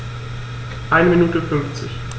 Eine Minute 50